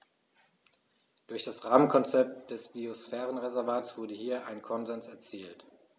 Durch das Rahmenkonzept des Biosphärenreservates wurde hier ein Konsens erzielt.